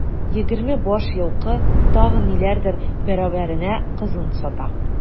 Егерме баш елкы, тагын ниләрдер бәрабәренә кызын сата.